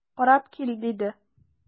Карап кил,– диде.